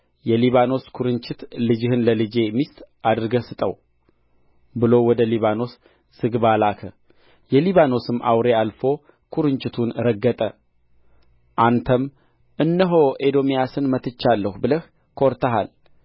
የሊባኖስ ኵርንችት ልጅህን ለልጄ ሚስት አድርገህ ስጠው ብሎ ወድ ሊባኖስ ዝግባ ላከ የሊባኖስም አውሬ አልፎ ኵርንችቱን ረገጠ አንተም እነሆ ኤዶምያስን መትቻለሁ ብለህ ኰርተሃል